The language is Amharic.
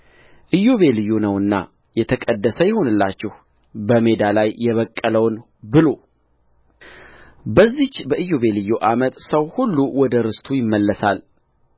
ኢዮቤልዩ ነውና የተቀደሰ ይሁንላችሁ በሜዳ ላይ የበቀለውን ብሉበዚች በኢዮቤልዩ ዓመት ሰው ሁሉ ወደ ርስቱ ይመለሳል